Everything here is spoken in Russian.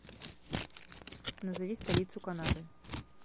назови столицу канады